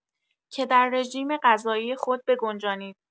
که در رژیم‌غذایی خود بگنجانید